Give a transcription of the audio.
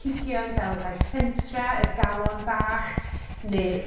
planhigion fel y dicentra yr galon fach neu'r